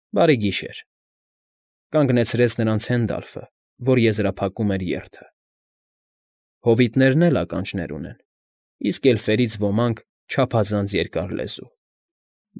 Բարի գիշեր…֊ կանգնեցրեց նրանց Հենդալֆը, որ եզրափակում էր երթը։֊ Հովիտներն էլ ականջներ ունեն, իսկ էլֆերից ոմանք՝ չափազանց երկար լեզու։